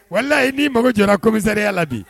Wala layi n' mago jɔ comisareya la bi